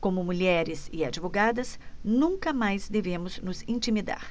como mulheres e advogadas nunca mais devemos nos intimidar